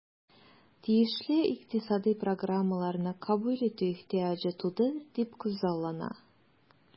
Тиешле икътисадый программаларны кабул итү ихтыяҗы туды дип күзаллана.